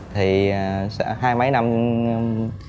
thì à hai mấy năm